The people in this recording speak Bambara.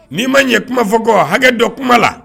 N'i ma ɲɛ kuma fɔ kɔ hakɛ dɔn kuma la